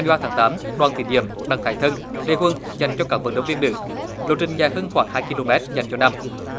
ba tháng tám đoàn thị điểm đặng thái thân lê huân dành cho các vận động viên nữ lộ trình dài hơn khoảng hai ki lô mét dành cho nam